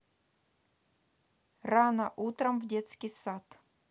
рано утром детский сад